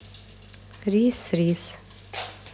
рис рис